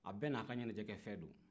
a bɛɛ n'a ka ɲɛnajɛ kɛ fɛn do